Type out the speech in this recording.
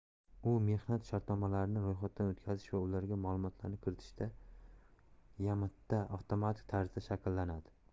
u mehnat shartnomalarini ro'yxatdan o'tkazish va ularga ma'lumotlarni kiritishda yammtda avtomatik tarzda shakllanadi